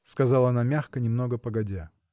— сказала она мягко, немного погодя.